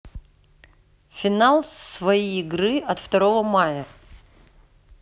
final свои игры от второго мая